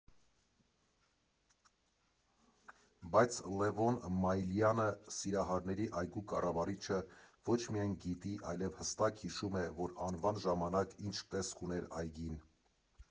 Բայց Լևոն Մայիլյանը՝ Սիրահարների այգու կառավարիչը, ոչ միայն գիտի, այլև հստակ հիշում է՝ որ անվան ժամանակ ինչ տեսք ուներ այգին։